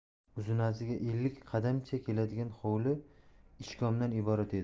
uzunasiga ellik qadamcha keladigan hovli ishkomdan iborat edi